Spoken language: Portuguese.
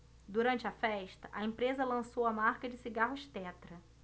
durante a festa a empresa lançou a marca de cigarros tetra